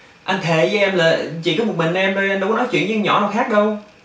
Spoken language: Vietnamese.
anh thề với em là chỉ có một mình em anh đâu có nói chuyện với con nhỏ nào khác đâu